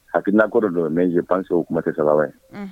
Hakilinako de don mais je pense que o kuma tɛ saba ye